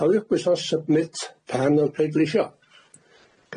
Cofiwch bwyso submit pan yn pleidleisio.